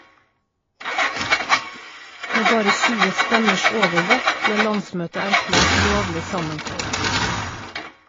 Med bare 20 stemmers overvekt ble landsmøtet erklært lovlig sammenkalt.